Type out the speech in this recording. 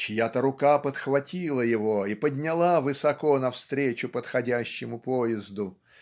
чья-то рука подхватила его и подняла высоко навстречу подходящему поезду.